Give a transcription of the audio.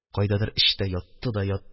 Кайдадыр эчтә ятты да ятты.